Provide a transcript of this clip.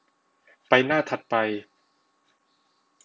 ไปหน้าถัดไป